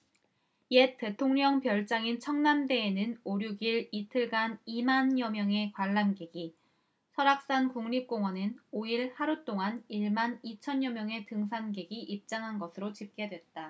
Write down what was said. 옛 대통령 별장인 청남대에는 오 육 일 이틀간 이 만여 명의 관람객이 설악산국립공원엔 오 일 하루 동안 일 만 이천 여 명의 등산객이 입장한 것으로 집계됐다